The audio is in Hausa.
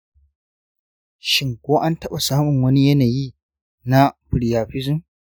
shin ko an taɓa samun wani yanayi na priapism?